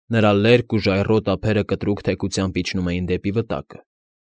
Նրա լերկ ու ժայռոտ ափերը կտրուկ թեքությամբ իջնում էին դեպի վտակը։